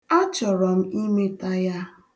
A chọrọ m imeta ya.